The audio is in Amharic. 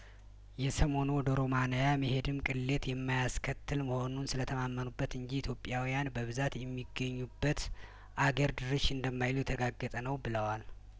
የሰሞኑ ወደ ሮማን ያመሄድም ቅሌት የማ ያስከትል መሆኑን ስለተማመኑበት እንጂ ኢትዮጵያውያን በብዛት የሚገኙበት አገር ድርሽ እንደማይሉ የተረጋገጠ ነው ብለዋል